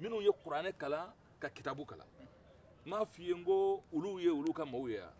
minnu ye kuranɛ kalan ka kitabu kalan n ma f'i ye k'olu ye olu ka maaw ye a